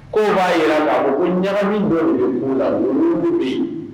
Ko b'a jira ko ka fɔ ko ɲagami dɔ de